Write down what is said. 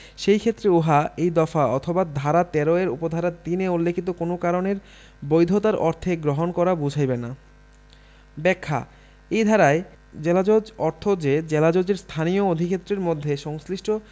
সেইক্ষেত্রে উহা এই দফা অথবা ধারা ১৩ এর উপ ধারা ৩ এ উল্লেখিত কোন কারণের বৈধতার অর্থে গ্রহণ করা বুঝাইবে না ব্যাখ্যা এই ধারায় জেলাজজ অর্থ যে জেলাজজের স্থানীয় অধিক্ষেত্রের মধ্যে সংশ্লিষ্ট